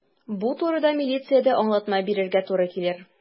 Бу турыда милициядә аңлатма бирергә туры килер.